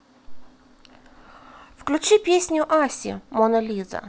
включи песню аси мона лиза